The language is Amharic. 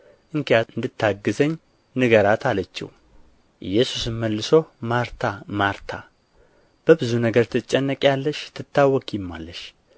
እንኪያስ እንድታግዘኝ ንገራት አለችው ኢየሱስም መልሶ ማርታ ማርታ በብዙ ነገር ትጨነቂአለሽ ትታወኪማለሽ